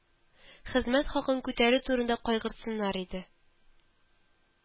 Хезмәт хакын күтәрү турында кайгыртсыннар иде